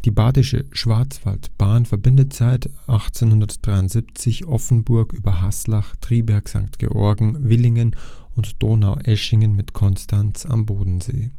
badische Schwarzwaldbahn verbindet seit 1873 Offenburg über Hausach, Triberg, St. Georgen, Villingen und Donaueschingen mit Konstanz am Bodensee